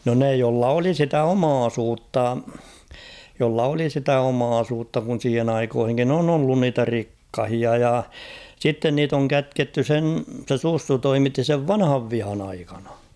no ne jolla oli sitä omaisuutta jolla oli sitä omaisuutta kun siihen aikoihinkin on ollut niitä rikkaita ja sitten niitä on kätketty sen se Sussu toimitti sen vanhan vihan aikana